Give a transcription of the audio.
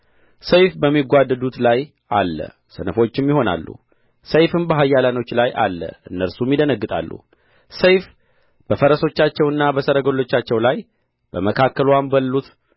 ሰይፍ በሚጓደዱት ላይ አለ ሰነፎችም ይሆናሉ ሰይፍም በኃያላኖችዋ ላይ አለ እነርሱም ይደነግጣሉ ሰይፍ በፈረሶቻቸውና በሰረገሎቻቸው ላይ በመካከልዋም ባሉት